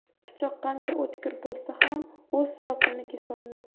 pichoq qancha o'tkir bo'lsa ham o'z sopini kesolmas